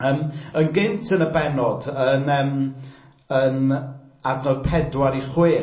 Yym, yn gynt yn y bennod, yn yym yn adnod pedwar i chwech.